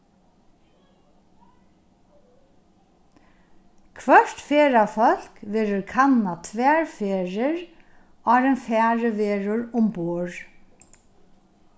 hvørt ferðafólk verður kannað tvær ferðir áðrenn farið verður umborð